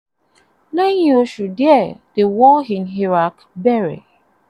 Lẹ́yìn oṣù díẹ̀, The War in Iraq bẹ̀rẹ̀.